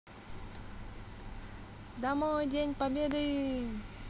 домой день победы